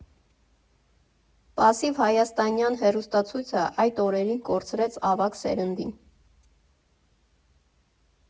Պասիվ հայաստանյան հեռուստացույցը այդ օրերին կորցրեց ավագ սերնդին.